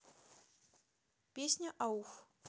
песня ауф